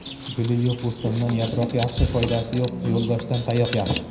guli yo'q bo'stondan yaproq yaxshi foydasi yo'q yo'ldoshdan tayoq yaxshi